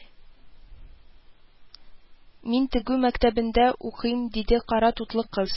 Мин тегү мәктәбендә укыйм, диде каратутлы кыз